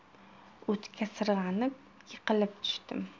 o'tga sirg'anib yiqilib tushdim